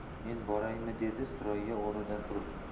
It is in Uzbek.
men boraymi dedi surayyo o'rnidan turib